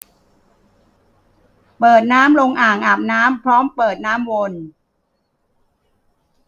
เปิดน้ำลงอ่างอาบน้ำพร้อมเปิดน้ำวน